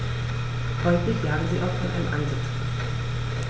Häufig jagen sie auch von einem Ansitz aus.